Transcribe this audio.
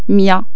ميا